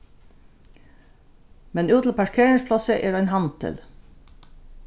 men út til parkeringsplássið er ein handil